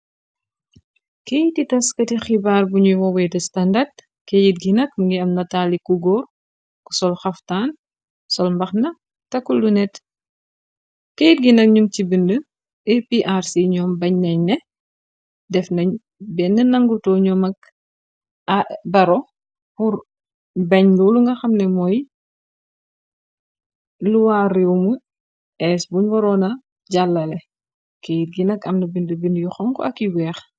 Keyit ti taskati xibaar buñuy woweete standard keyit gi nak ngi am nataali ku góor ku sol xaftaan sol mbax na takul lu net keyit gi nak ñung ci bind aprc ñoom bañ neñ ne def na benn nanguto ño mag baro xur bañ luulu nga xamne mooy luwariumu es buñ waroona jàllale keyit gi nak amna bindi bindi yu xonko yu weex.